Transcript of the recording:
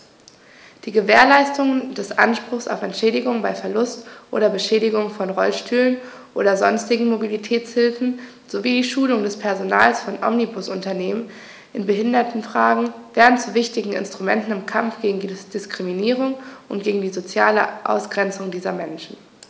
Die Gewährleistung des Anspruchs auf Entschädigung bei Verlust oder Beschädigung von Rollstühlen oder sonstigen Mobilitätshilfen sowie die Schulung des Personals von Omnibusunternehmen in Behindertenfragen werden zu wichtigen Instrumenten im Kampf gegen Diskriminierung und gegen die soziale Ausgrenzung dieser Menschen.